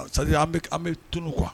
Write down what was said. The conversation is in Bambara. Sa an bɛ tunu kuwa